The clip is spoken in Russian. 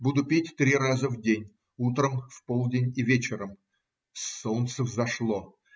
Буду пить три раза в день: утром, в полдень и вечером. Солнце взошло.